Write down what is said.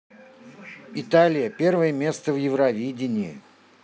италия первое место в евровидение